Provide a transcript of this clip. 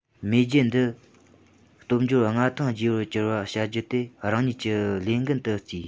མེས རྒྱལ འདི ཉིད སྟོབས འབྱོར མངའ ཐང རྒྱས པ འགྱུར བར བྱ རྒྱུ དེ རང ཉིད ཀྱི ལས འགན དུ བརྩིས